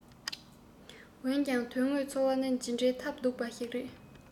འོན ཀྱང དོན དངོས འཚོ བ ནི ཇི འདྲའི ཐབས སྡུག པ ཞིག རེད